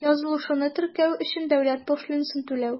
Язылышуны теркәү өчен дәүләт пошлинасын түләү.